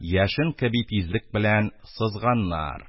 Яшен кеби тизлек берлән сызганнар;